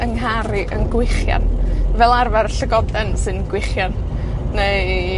'yng nghar i yn gwichian. Fel arfer llygoden sy'n gwichian, neu